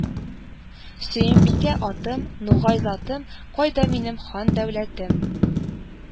Сөембикә атым, нугай затым, кайда минем хан дәүләтем,